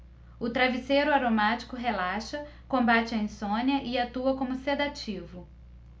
o travesseiro aromático relaxa combate a insônia e atua como sedativo